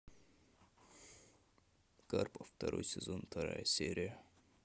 карпов второй сезон вторая серия